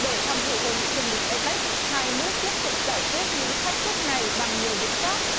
để tham dự hội nghị thượng đỉnh ây pếch hai nước tiếp tục giải quyết những thách thức này bằng nhiều biện pháp